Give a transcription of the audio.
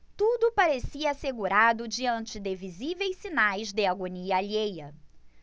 tudo parecia assegurado diante de visíveis sinais de agonia alheia